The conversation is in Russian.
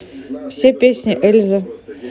все песни эльзы